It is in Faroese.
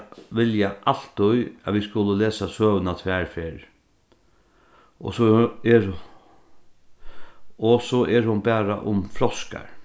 vilja altíð at vit skulu lesa søguna tvær ferðir og so er hon bara um froskar